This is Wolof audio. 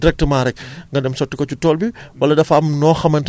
jëfandiku bi maanaam naka lay demee ndax da nga ko am directement rekk